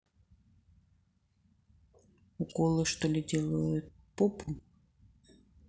уколы что ли делают попу